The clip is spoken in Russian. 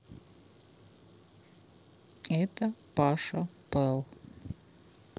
это паша пэл